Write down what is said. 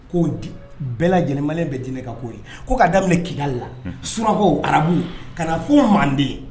K'o bɛɛ lajɛlenman bɛ d ka'o ye ko ka daminɛ kinka la suko arabu ka fɔ manden